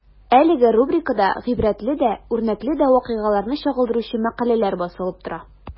Әлеге рубрикада гыйбрәтле дә, үрнәкле дә вакыйгаларны чагылдыручы мәкаләләр басылып тора.